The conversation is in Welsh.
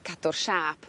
cadw'r siâp